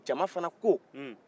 jama fana ko